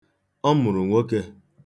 Ọ mụrụ nwoke.